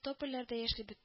Топольләр дә яши бөт